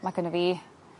ma' gynno fi